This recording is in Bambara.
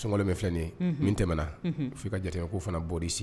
Sunkalo min filɛn ye, unhun min tɛmɛna, unhun